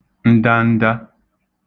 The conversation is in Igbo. ndanda